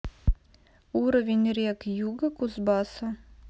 уровень рек юга кузбасса